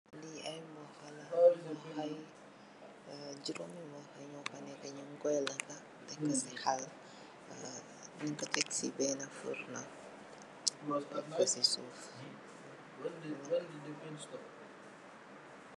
Li ay mboha la ay juroomi mboha la nung koi laka teck so do haal nung ko teck di bena furno tecko si suuf.